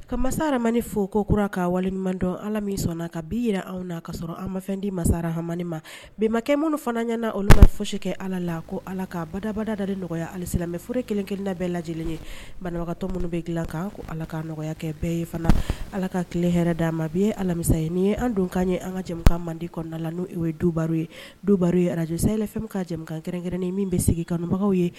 Ka masasaramani fo ko kura ka waleɲuman dɔn ala min sɔnna ka bi jira anw na ka sɔrɔ an mafɛn di masara hamani ma bɛnbakɛ minnu fana ɲɛna na olu ma fɔsi kɛ ala la ko ala ka dabada ni nɔgɔyaya halise fur kelen-kelenda bɛɛ lajɛ lajɛlen ye banatɔ minnu bɛ dilan kan ko ala ka nɔgɔya kɛ bɛɛ ye fana ala ka tile hɛrɛ d'a ma bi ye alamisa ye ni ye an don' ye an ka jamana mande kɔnɔna la n'o ye duba ye duba ye araj seyla fɛn ka jamanakan kɛrɛnnen min bɛ sigi kabagaw ye